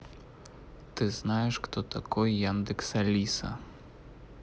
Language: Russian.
ты знаешь кто такой яндекс алиса